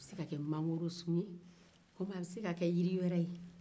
a bɛ se ka kɛ mangorosun ye komi a bɛ se ka jiri wɛrɛ ye